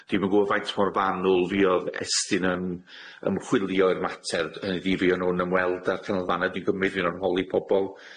Dwi'm yn gwbo faint mor fanwl fuodd Estyn yn ymchwilio i'r mater, hynny ydi fuon nw'n ymweld â'r canolfannau dwi'n gymryd, fuon nw'n holi pobol